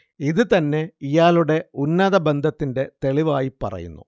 ഇത് തന്നെ ഇയാളുടെ ഉന്നത ബന്ധത്തിന്റെ തെളിവായി പറയുന്നു